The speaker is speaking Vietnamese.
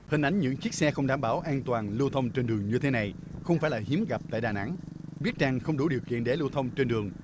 hình ảnh những chiếc xe không đảm bảo an toàn lưu thông trên đường như thế này không phải là hiếm gặp tại đà nẵng biết rằng không đủ điều kiện để lưu thông trên đường